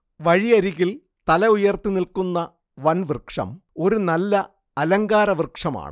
വഴിയരികിൽ തലയുയർത്തി നിൽക്കുന്ന വൻവൃക്ഷം ഒരു നല്ല അലങ്കാരവൃക്ഷമാണ്